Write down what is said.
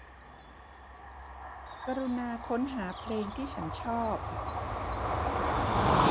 กรุณาค้นหาเพลงที่ฉันชอบ